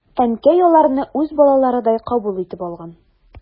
Әнкәй аларны үз балаларыдай кабул итеп алган.